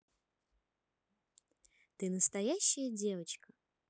ты настоящая девочка